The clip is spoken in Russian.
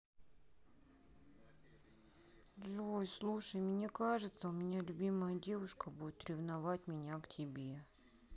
джой слушай меня мне кажется у меня любимая девушка будет ревновать меня к тебе